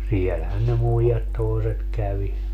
siellähän ne muijat toiset kävi